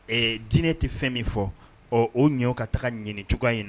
Dinɛ tɛ fɛn min fɔ o ɲɛ ka taga ɲinin cogoya in na